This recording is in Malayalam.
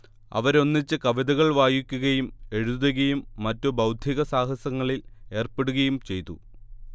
അവരൊന്നിച്ച് കവിതകൾ വായിക്കുകയും എഴുതുകയും മറ്റു ബൗദ്ധിക സാഹസങ്ങളിൽ ഏർപ്പെടുകയും ചെയ്തു